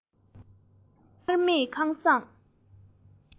སྔར མེད ཁང བཟང